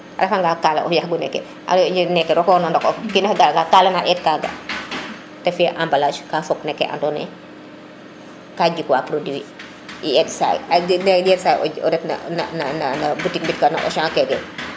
a refa of yax gu neke neke roko rona ndok of o kino xe ga a ngan kala ne eet ka ga te fiye embalage ka fog no ke ando naye ka jik wa produit yed saay ea jeg yenisan o ret na na boutique mbit Auchan ke yiin